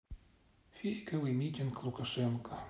фейковый митинг лукашенко